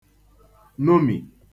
nomì